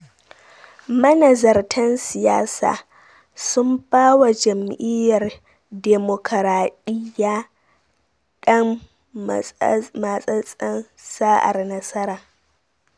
Manazartan siyasa sun ba wa jam’iyar Ɗamokraɗiya ɗan matsatsen sa’ar nasara.